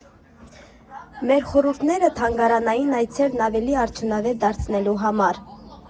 Մեր խորհուրդները՝ թանգարանային այցերն ավելի արդյունավետ դարձնելու համար։